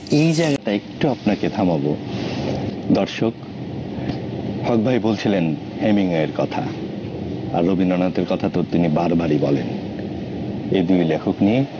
এই জায়গাটায় একটু আপনাকে থামাবো দর্শক হক ভাই বলছিলেন হেমিংওয়ের কথা আর রবীন্দ্রনাথের কথা তো তিনি বারবারই বলেন এই দুই লেখক নিয়ে